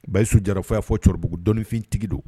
Bayi su jara fo y'a fɔ cɛkɔrɔbabugu dɔnniifintigi don